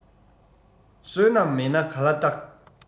བསོད ནམས མེད ན ག ལ རྟག